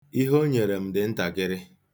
Ihe o nyere m dị ntakịrị.